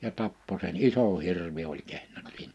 ja tappoi sen iso hirvi oli kehno siinä